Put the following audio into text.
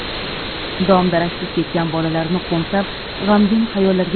dom daraksiz ketgan bolalarini qo'msab g'amgin xayollarga